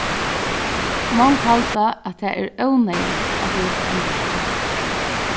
mong halda at tað er óneyðugt at brúka endurskin